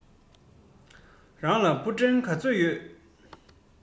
རང ལ ཕུ འདྲེན ག ཚོད ཡོད